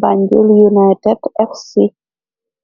banjul united afcea.